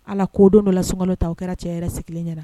Ala k koo don dɔ la sumaworolo ta u kɛra cɛ yɛrɛ sigilen ɲɛna na